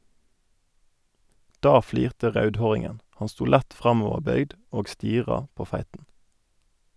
Da flirte raudhåringen; han sto lett framoverbøygd og stira på feiten.